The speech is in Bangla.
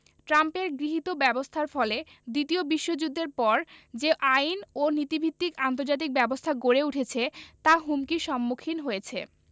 ট্রাম্পের গৃহীত ব্যবস্থার ফলে দ্বিতীয় বিশ্বযুদ্ধের পর যে আইন ও নীতিভিত্তিক আন্তর্জাতিক ব্যবস্থা গড়ে উঠেছে তা হুমকির সম্মুখীন হয়েছে